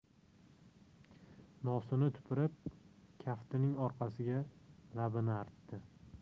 nosini tupurib kaftining orqasiga labini artdi